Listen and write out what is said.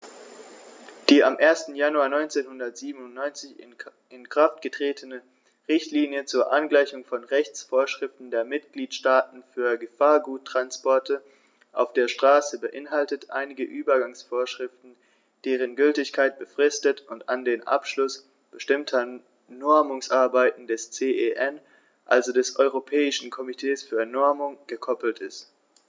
Die am 1. Januar 1997 in Kraft getretene Richtlinie zur Angleichung von Rechtsvorschriften der Mitgliedstaaten für Gefahrguttransporte auf der Straße beinhaltet einige Übergangsvorschriften, deren Gültigkeit befristet und an den Abschluss bestimmter Normungsarbeiten des CEN, also des Europäischen Komitees für Normung, gekoppelt ist.